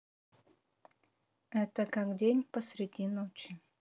это как день посреди ночи